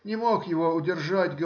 Не мог его удержать.